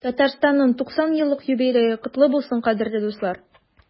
Татарстанның 90 еллык юбилее котлы булсын, кадерле дуслар!